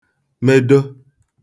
medò